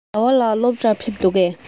ཟླ བ ལགས སློབ གྲྭར སླེབས འདུག གས